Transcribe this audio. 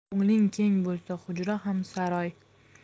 ko'ngling keng bo'lsa hujra ham saroy